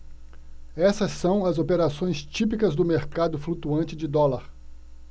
essas são as operações típicas do mercado flutuante de dólar